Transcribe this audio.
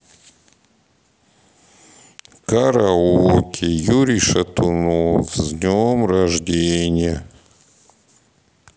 караоке юрий шатунов с днем рождения